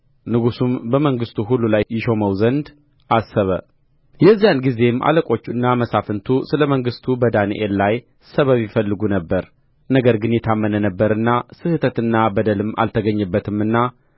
ንጉሡም በመንግሥቱ ሁሉ ላይ ይሾመው ዘንድ አሰበ የዚያን ጊዜም አለቆችና መሳፍንቱ ስለ መንግሥቱ በዳንኤል ላይ ሰበብ ይፈልጉ ነበር ነገር ግን የታመነ ነበረና ስሕተትና በደልም አልተገኘበትምና